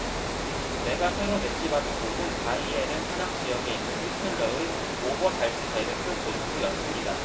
내가 새로 배치받은 곳은 바이에른 산악 지역에 있는 히틀러의 오버잘츠베르크 본부였습니다